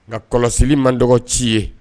Nka kɔlɔsi man dɔgɔ ci ye